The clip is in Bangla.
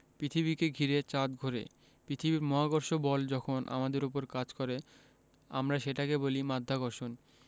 পৃথিবীকে ঘিরে চাঁদ ঘোরে পৃথিবীর মহাকর্ষ বল যখন আমাদের ওপর কাজ করে আমরা সেটাকে বলি মাধ্যাকর্ষণ